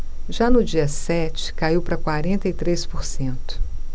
já no dia sete caiu para quarenta e três por cento